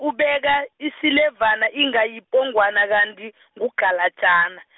ubeka, isilevana inga yipongwana kanti, ngugalajana.